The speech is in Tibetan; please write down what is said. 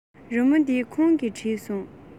རི མོ འདི ཁོང གིས བྲིས སོང